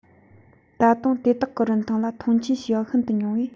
ད དུང དེ དག གི རིན ཐང ལ མཐོང ཆེན བྱས པ ཤིན ཏུ ཉུང བས